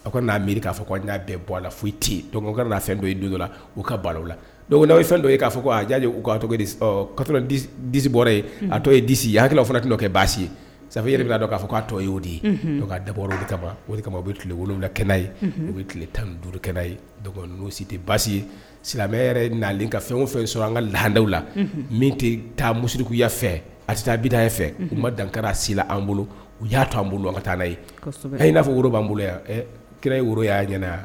Aw ko n'a mi k'a n'a bɛɛ bɔ a la foyi ci kɛra fɛn dɔ don ka balo la n'aw ye fɛn dɔ ye k'a fɔ ko' disi bɔra ye a to ye disi ye ha hakili fana dɔ kɛ baasi ye saba yɛrɛ b'a dɔn k'a fɔ' tɔ ye'o de ye dabɔta o kama o bɛ tile wolola kɛ ye o bɛ tile tan duurukɛ ye si tɛ basi ye silamɛ yɛrɛ'len ka fɛn o fɛ sɔrɔ an ka lahadaw la min tɛ taa mudikuya fɛ atabida fɛ kuma dankara sen an bolo u y'a to an bolo an ka taa n'a ye hali n'a fɔ woro b'an bolo yan kira ye woro y'a ɲɛna